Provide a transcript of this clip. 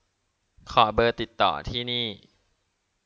ขอเบอร์ติดต่อที่นี่